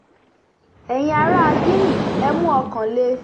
Ẹ̀yin aráa Guinea, ẹ mú ọkàn le!